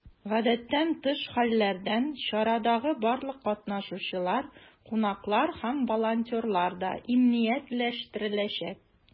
Гадәттән тыш хәлләрдән чарадагы барлык катнашучылар, кунаклар һәм волонтерлар да иминиятләштереләчәк.